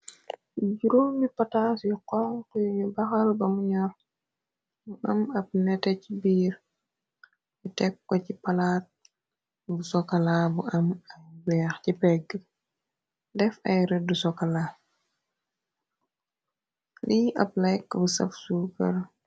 Juróomi pataas yu xonxu yu ñu baxal bamu ñor mu am ab nete ci biir yu teg ko ci palaat bu sokala bu am ab beex ci pegg def ay rëddu sokala li ab lake bu saf sukur.